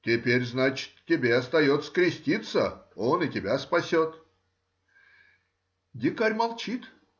— Теперь, значит, тебе остается креститься: он и тебя спасет. Дикарь молчит.